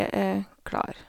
Jeg er klar.